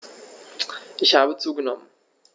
Ich habe zugenommen.